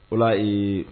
O la ee